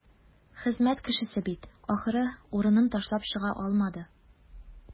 Хезмәт кешесе бит, ахры, урынын ташлап чыга алмады.